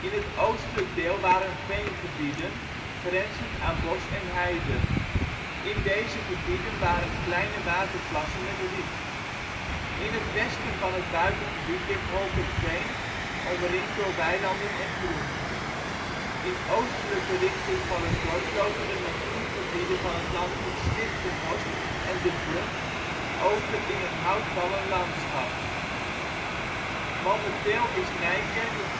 het oostelijkdeel waren veengebieden met grenzend aan bos en heide. In deze gebieden waren kleine waterplassen met riet. In het westen van het buitengebied ligt Holkerveen omringd door weilanden en groen. In oostelijke richting van het dorp lopen de natuurgebieden van het landgoed Slichtenhorst en De Bunt over in een houtwallen landschap. Momenteel is Nijkerk een groeigemeente